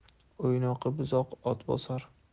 o'ynoqi buzoq o't bosar